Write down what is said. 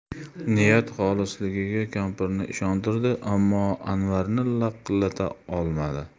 niyat xolisligiga kampirni ishontirdi ammo anvarni laqillata olmadi